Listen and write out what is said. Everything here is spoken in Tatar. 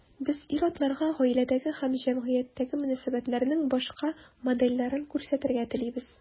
Без ир-атларга гаиләдәге һәм җәмгыятьтәге мөнәсәбәтләрнең башка модельләрен күрсәтергә телибез.